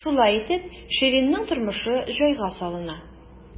Шулай итеп, Ширинның тормышы җайга салына.